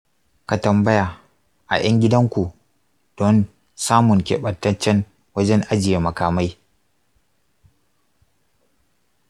ka tambaya a 'yan gidan ku don samun keɓantaccen wajen ajiye makamai.